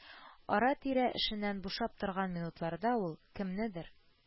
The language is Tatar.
Ара-тирә эшеннән бушап торган минутларда ул, кемнедер